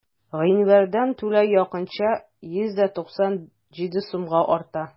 Январьдан түләү якынча 197 сумга арта.